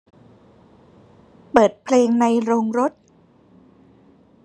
เปิดเพลงในโรงรถ